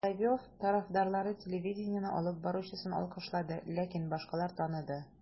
Соловьев тарафдарлары телевидение алып баручысын алкышлады, ләкин башкалар таныды: